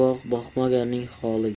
boq boqmaganning holiga